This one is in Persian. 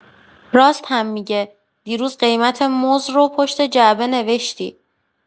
راست هم می‌گه، دیروز قیمت موز رو پشت جعبه نوشتی.